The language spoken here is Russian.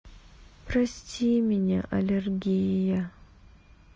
прости меня аллергия